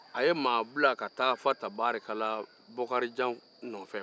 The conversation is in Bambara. a ye mɔgɔ bila ka taa fɔ tabarikɛla bokarijan nɔfɛ